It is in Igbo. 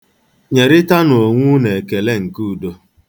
Nyerịta nụ onwe unu ekele nke udo.